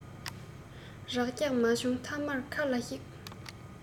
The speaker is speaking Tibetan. རགས རྒྱག མ བྱུང མཐའ མར མཁར ལ གཤེད